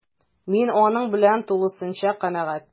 Мин аның белән тулысынча канәгать: